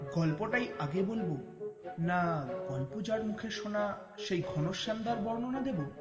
গল্পটাই আগে বলবো না গল্পটাই যার মুখে শোনা সেই ঘনশ্যাম দার বর্ণনা দেব